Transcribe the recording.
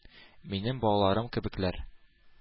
Минем балаларым кебекләр.